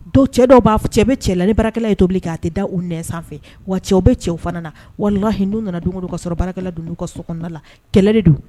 Don cɛ dɔw b'a cɛ bɛ cɛ la ni barakɛla ye tobili k'a tɛ da u nɛ sanfɛ wa cɛw bɛ cɛw fana na wala hdu nana don don ka sɔrɔ baarakɛla don ka sokɔnɔ la kɛlɛ de don